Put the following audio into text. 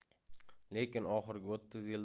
lekin oxirgi o'ttiz yilda bu